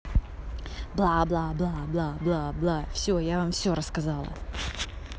бла бла бла бла бла бла все я вам все рассказала